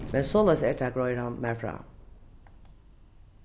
men soleiðis er tað greiðir hann mær frá